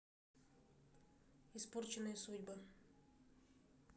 испорченные судьбы